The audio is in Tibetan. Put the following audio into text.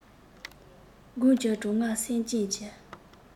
དགུན གྱི གྲང ངར སེམས ཅན གྱི